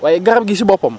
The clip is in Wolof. waaye garab gi si boppam